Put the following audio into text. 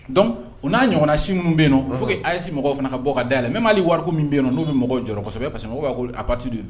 Dɔnku u n'a ɲɔgɔnna si min bɛ yen fo ayisi mɔgɔw fana ka bɔ ka da la mɛ m'ale wari min bɛ yen n'u bɛ mɔgɔ jɔsɛbɛ parce que mɔgɔ b'a ko a pa don ye